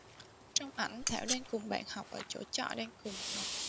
trong ảnh thảo đang cùng bạn học ở chỗ trọ đang cùng học